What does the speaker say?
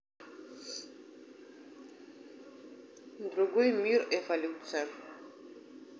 другой мир эволюция